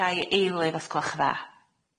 Gai eiliydd os gwelwch yn dda?